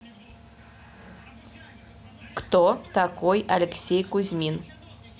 кто такой алексей кузьмин